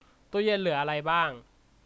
ตู้เย็นเหลืออะไรบ้าง